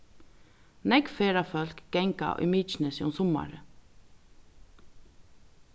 nógv ferðafólk ganga í mykinesi um summarið